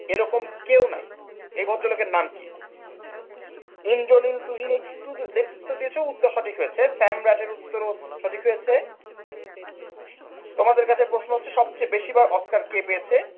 এরকম কেউ নাই এই ভদ্রলোকের নাম কি ইন্দ্রনীল তুহিন একটু দেরিতে উত্তর দিয়েছো উত্তর সঠিক হয়েছে সম্রাট এর উত্তর সঠিক হয়েছে তোমাদের কাছে প্রশ্ন হচ্ছে সবচেয়ে বেশি অস্কার কে পেয়েছে